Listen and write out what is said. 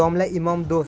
domla imom do'st